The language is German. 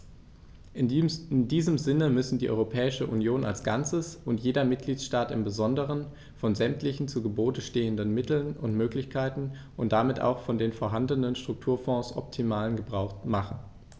In diesem Sinne müssen die Europäische Union als Ganzes und jeder Mitgliedstaat im Besonderen von sämtlichen zu Gebote stehenden Mitteln und Möglichkeiten und damit auch von den vorhandenen Strukturfonds optimalen Gebrauch machen.